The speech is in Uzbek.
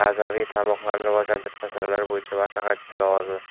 bazaviy tarmoqlarini rivojlantirish masalalari bo'yicha maslahatchisi lavozimi